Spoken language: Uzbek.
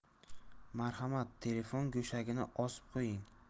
marhamat telefon go'shagini osib qo'ying